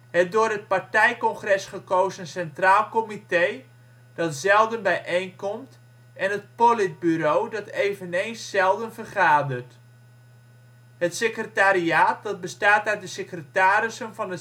Het door het partijcongres gekozen Centraal Comité dat zelden bijeenkomt en het Politbureau dat eveneens zelden vergadert; Het Secretariaat dat bestaat uit de secretarissen van